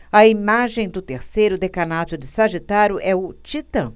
a imagem do terceiro decanato de sagitário é o titã